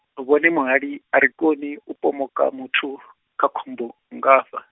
vhone muhali, a ri koni u pomoka muthu, kha khombo, nngafha.